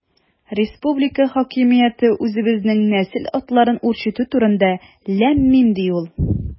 Республика хакимияте үзебезнең нәсел атларын үрчетү турында– ләм-мим, ди ул.